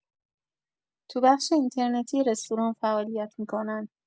تو بخش اینترنتی رستوران فعالیت می‌کنن